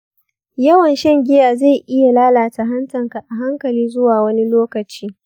yawan shan giya zai iya lalata hantanka a hankali zuwa wani lokaci.